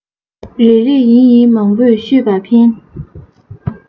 རེད རེད ཡིན ཡིན མང བོས ཤོད ལ འཕེན